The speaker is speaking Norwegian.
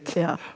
ja.